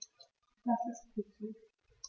Das ist gut so.